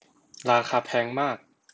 ราคาแพงมาก